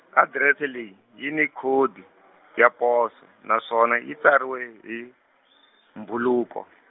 adirese leyi, yi ni khodi, ya poso naswona yi tsariwa hi , mbhuluko.